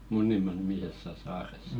Munnimaa nimisessä saaressa